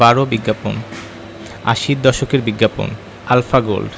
১২ বিজ্ঞাপন আশির দশকের বিজ্ঞাপন আলফা গোল্ড